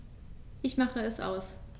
Ich mache es aus.